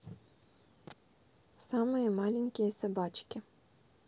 самые маленькие собачки